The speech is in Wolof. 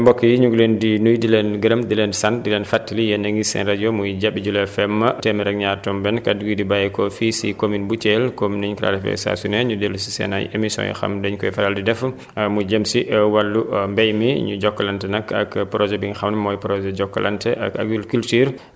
kon mbokk yi ñu ngi leen di nuyu di leen gërëm di leen sant di leen fàttali yéen a ngi seen rajo muy Jabi jula FM téeméer ak ñaar tomb benn kàddu gi di bàyyeekoo fii si commune bu Thiel comme ni ñu kaa defee saa su ne ñu dellu si seen ay émissions yoo xam dañu koy faral di def mu jëm si wàllu mbéy mi ñuy jokklante nag ak projet bi nga xam mooy projet Jokalante ak agriculture